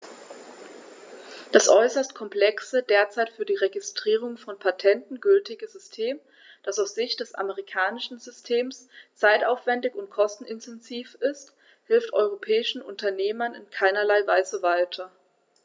Das äußerst komplexe, derzeit für die Registrierung von Patenten gültige System, das aus Sicht des amerikanischen Systems zeitaufwändig und kostenintensiv ist, hilft europäischen Unternehmern in keinerlei Weise weiter.